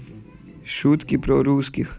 шутки про русских